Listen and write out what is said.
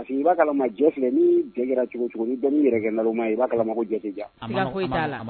I b'a filɛ cogo cogo yɛrɛ b'a